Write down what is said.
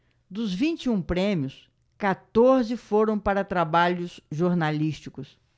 dos vinte e um prêmios quatorze foram para trabalhos jornalísticos